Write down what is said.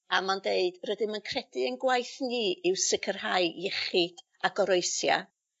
A ma'n deud Rydym yn credu ein gwaith ni yw sicirhau iechyd a goroesia